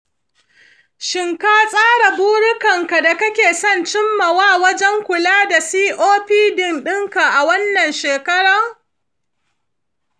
shin ka tsara burukan da kake son cimmawa wajen kula da copd ɗinka a wannan shekara?